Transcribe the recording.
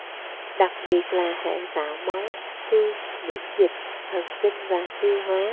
đặc biệt là hệ tạo máu xương miễn dịch thần kinh và tiêu hóa